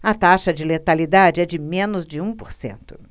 a taxa de letalidade é de menos de um por cento